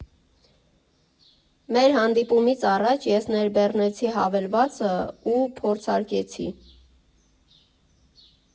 Մեր հանդիպումից առաջ ես ներբեռնեցի հավելվածը ու փորձարկեցի։